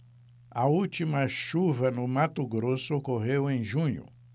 a última chuva no mato grosso ocorreu em junho